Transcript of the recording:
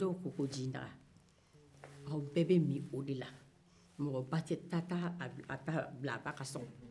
aw bɛɛ bɛ min o de la mɔgɔ ba tɛ ta-ta a ta bi-bila a ba ka sokɔnɔ